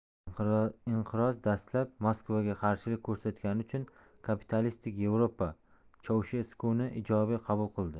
inqirozdastlab moskvaga qarshilik ko'rsatgani uchun kapitalistik yevropa chausheskuni ijobiy qabul qildi